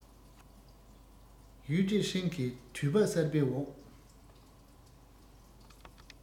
ཡུས ཀྲེང ཧྲེང གིས དུས བབ གསར པའི འོག